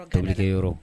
Tobili kɛ yɔrɔ